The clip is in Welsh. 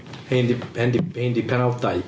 Rhein 'di rhein 'di rhein 'di penawdau.